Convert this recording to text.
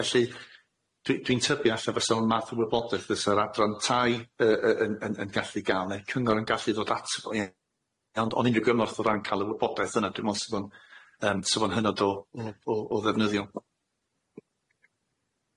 Felly dwi dwi'n tybio e'lla fysa o'n math o wybodaeth fysa'r adran tai yy yy yn yn yn gallu ga'l neu cyngor yn gallu ddod ato fo ie ond ond unryw gymorth o ran ca'l y wybodaeth yna dwi me'wl sy' fo'n yym sy' fo'n hynod o o o o ddefnyddiol.